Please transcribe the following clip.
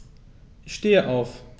Ich stehe auf.